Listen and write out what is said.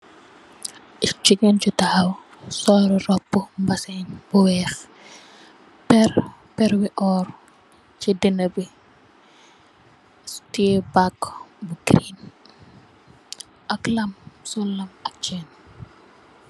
Jigeen ju taxaw, sol robbu mbaseen bu weex, per, peri oor ci danabi, tiye bag bu giriin, ak lamam, ak ceen.